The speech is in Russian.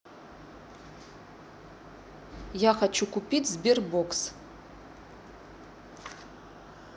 я хочу купить sberbox